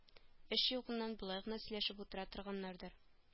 Эш югыннан болай гына сөйләшеп утыра торганнардыр